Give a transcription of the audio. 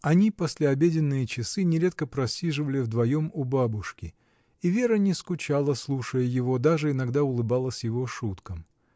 Они послеобеденные часы нередко просиживали вдвоем у бабушки — и Вера не скучала, слушая его, даже иногда улыбалась его шуткам.